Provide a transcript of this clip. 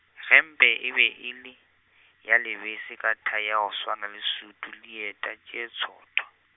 gempe e be e le, ya lebese ka thai ya go swana le sutu le dieta tše tsothwa.